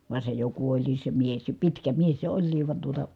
vaan se jo kuoli se mies ja pitkä mies se olikin vaan tuota